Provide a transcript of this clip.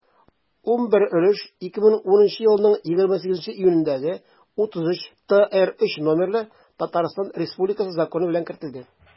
11 өлеш 2010 елның 28 июнендәге 33-трз номерлы татарстан республикасы законы белән кертелде.